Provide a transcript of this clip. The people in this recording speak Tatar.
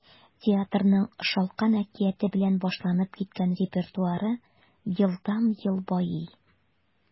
Театрның “Шалкан” әкияте белән башланып киткән репертуары елдан-ел байый.